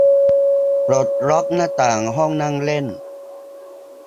ปลดล็อกหน้าต่างห้องนั่งเล่น